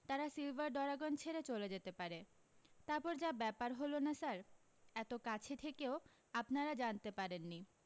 তারা silver dragon ছেড়ে চলে যেতে পারে তারপর যা ব্যাপার হলো না স্যার এতো কাছে থেকেও আপনারা জানতে পারেন নি